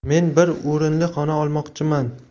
men bir o'rinli xona olmoqchiman